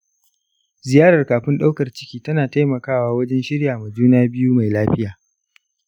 ziyarar kafin daukar ciki tana taimakawa wajen shiryawa ma juna biyu mai lafiya.